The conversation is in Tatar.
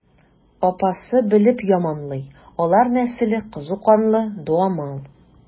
Апасы белеп яманлый: алар нәселе кызу канлы, дуамал.